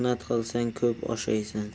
mehnat qilsang ko'p oshaysan